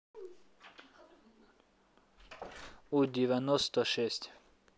у девяносто шесть